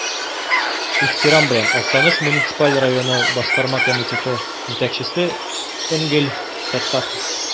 Ихтирам белән, Актаныш муниципаль районы Башкарма комитеты җитәкчесе Энгель Фәттахов.